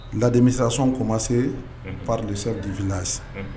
Ladenmisason ko ma se palisa difinasi